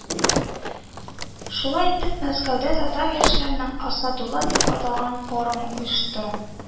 Шулай итеп Мәскәүдә татар яшьләренең «Асадулла» дип аталган форумы оешты